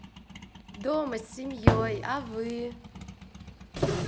дома с семьей а вы